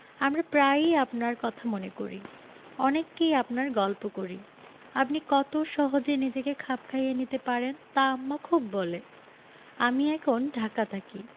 আমরা প্রায়ই আপনার কথা মনে করি অনেককেই আপনার গল্প করি আপনি কত সহজে নিজেকে খাপ খাইয়ে নিতে পারেন তা আম্মা খুব বলে আমি এখন ঢাকা থাকি